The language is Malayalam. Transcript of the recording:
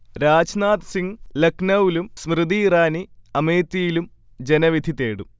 രാജ്നാഥ് സിംഗ് ലക്നൗവിലും സ്മൃതി ഇറാനി അമേത്തിയിലും ജനവിധി തേടും